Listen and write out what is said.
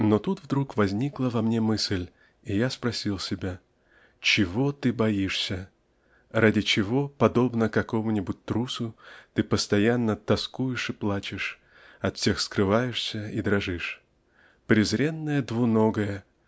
"Но тут вдруг возникла во мне Мысль, и я спросил себя "Чего ты боишься? Ради чего подобно какому-нибудь трусу ты постоянно тоскуешь и плачешь от всех скрываешься и дрожишь? Презренное двуногое!